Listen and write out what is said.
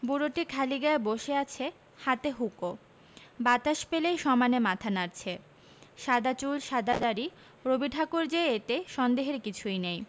বুড়োটি খালি গায়ে বসে আছে হাতে হুঁকো বাতাস পেলেই সমানে মাথা নাড়ছে সাদা চুল সাদা দাড়ি রবিঠাকুর যে এতে সন্দেহের কিছুই নেই